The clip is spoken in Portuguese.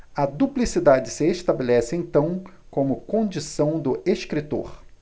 a duplicidade se estabelece então como condição do escritor